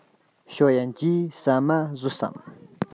ཞའོ ཡན གྱིས ཟ མ ཟོས ཡོད དམ